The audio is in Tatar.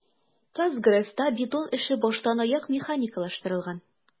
"казгрэс"та бетон эше баштанаяк механикалаштырылган.